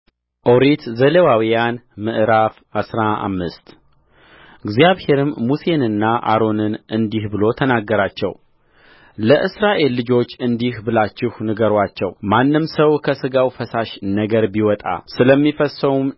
ኦሪት ዘሌዋውያን ምዕራፍ አስራ አምስት እግዚአብሔርም ሙሴንና አሮንን እንዲህ ብሎ ተናገራቸውለእስራኤል ልጆች እንዲህ ብላችሁ ንገሩአቸው ማንም ሰው ከሥጋው ፈሳሽ ነገር ቢወጣ ስለሚፈስሰው